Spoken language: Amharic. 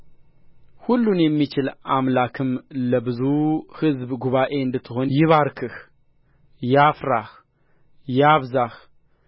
ሁሉን የሚችል አምላክም ለብዙ ሕዝብ ጉባኤ እንድትሆን ይባርክህ ያፍራህ ያብዛህ